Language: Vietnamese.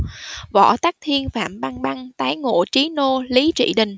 võ tắc thiên phạm băng băng tái ngộ trí nô lý trị đình